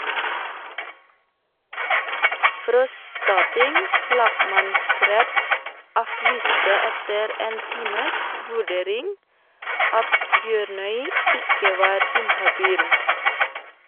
Frostating lagmannsrett avviste etter en times vurdering at Bjørnøy ikke var inhabil.